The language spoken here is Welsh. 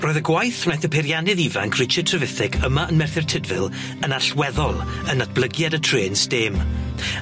Roedd y gwaith wnaeth y peiriannydd ifanc Richard Trevithick yma yn Merthyr Tydfil yn allweddol yn natblygiad y trên sdêm.